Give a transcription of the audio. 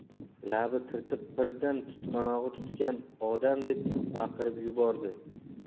labi tirtiq birdan tutqanog'i tutgan odamdek baqirib yubordi